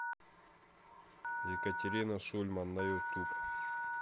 екатерина шульман на ютуб